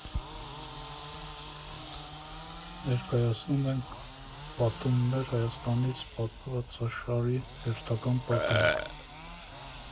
Ներկայացնում ենք «Պատումներ Հայաստանից» պատմվածաշարի հերթական պատումը։